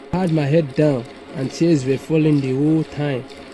"I had my head down, and tears were falling the whole time.